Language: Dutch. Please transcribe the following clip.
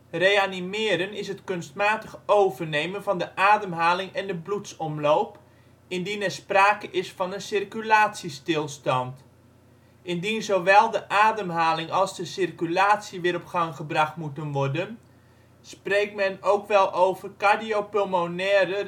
Reanimeren is het kunstmatig overnemen van de ademhaling en de bloedsomloop, indien er sprake is van een circulatiestilstand. Indien zowel de ademhaling, als de circulatie weer op gang gebracht moeten worden, spreekt men ook wel over Cardiopulmonaire